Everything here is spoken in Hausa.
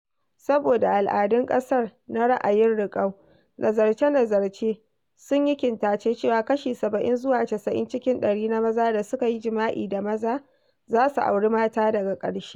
Saboda al'adun ƙasar na ra'ayin rikau, nazarce-nazarce sun yi kintace cewa kashi 70 zuwa 90 cikin ɗari na maza da suka yi jima'i da maza za su auri mata daga ƙarshe.